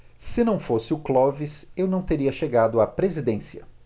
se não fosse o clóvis eu não teria chegado à presidência